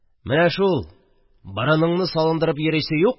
Менә шул: борыныңны салындырып йөрисе юк